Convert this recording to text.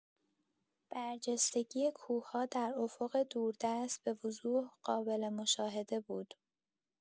برجستگی کوه‌ها در افق دوردست به‌وضوح قابل‌مشاهده بود.